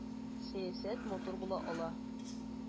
Сәясәт матур була ала!